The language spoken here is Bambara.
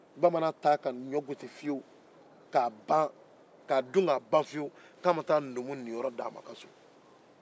bamanan t'a ɲɔ gosi fiyewu ka ban k'a dun ka ban k'a ma taa numu niyɔrɔ d'a ma a ka so